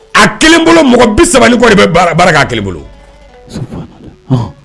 A kelen bolo mɔgɔ bi sabali bɛ barika bolo